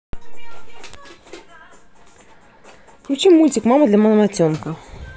включи мультик мама для мамонтенка